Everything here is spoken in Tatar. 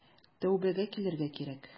Тәүбәгә килергә кирәк.